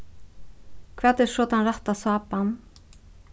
hvat er so tann rætta sápan